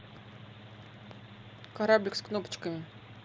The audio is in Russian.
кораблик с кнопочками